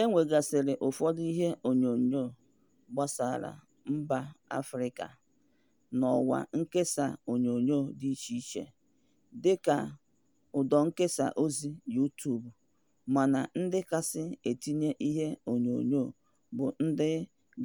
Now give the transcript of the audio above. E nwegasịrị ụfọdụ ihe onyonyo gbasara mba Afrika n'ọwa nkesa onyonyo dị iche iche dịka ụdọnkesaozi Yuutub mana ndị kachasị etinye ihe onyoonyo bụ ndị